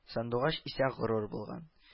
Сандугач исә горур булган